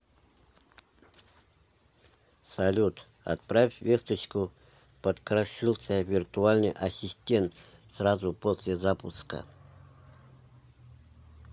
салют отправь весточку покрашился виртуальный ассистент сразу после запуска